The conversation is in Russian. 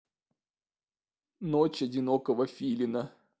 ночь одинокого филина